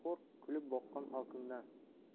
qo'rq kulib boqqan hokimdan